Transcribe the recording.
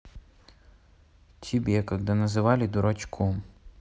тебе когда называли дурачком